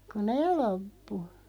kun ne loppui